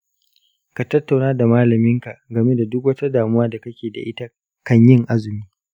ka tattauna da malamin ka game da duk wata damuwa da kake da ita kan yin azumi.